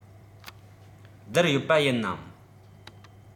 བསྡུར ཡོད པ ཡིན ནམ